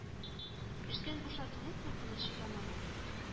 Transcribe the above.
Эштән бушатылу куркынычы янаган